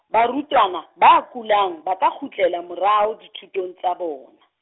barutwana ba kulang, bata kgutlela morao dithutong tsa bona.